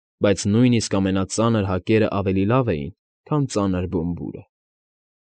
Բայց նույնիսկ ամենածանր հակերն ավելի լավ էին, քան ծանր Բոմբուրը։